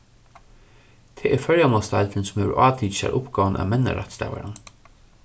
tað er føroyamálsdeildin sum hevur átikið sær uppgávuna at menna rættstavaran